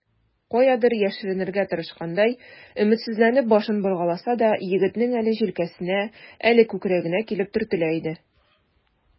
Каядыр яшеренергә тырышкандай, өметсезләнеп башын боргаласа да, егетнең әле җилкәсенә, әле күкрәгенә килеп төртелә иде.